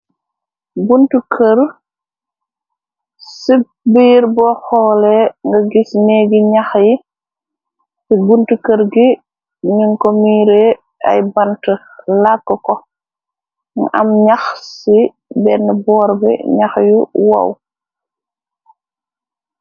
Buntu kerr, cii birr bohr horleh nga giss nehggi njahh yii, teh buntu kerr gui njung kor mireh aiiy bantue, lakue kor, mu am njahh cii benah borre bii, njahh yu wohww.